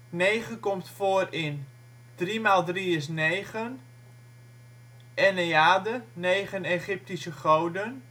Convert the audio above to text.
Negen komt voor in: Driemaal drie is negen Enneade, negen Egyptische goden